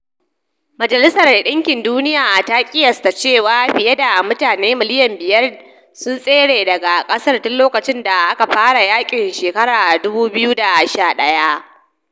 Majalisar Dinkin Duniya ta kiyasta cewa fiye da mutane miliyan 5.5 sun tsere daga kasar tun lokacin da aka fara yakin shekarar 2011.